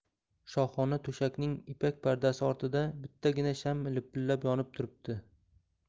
shohona to'shakning ipak pardasi ortida bittagina sham lipillab yonib turibdi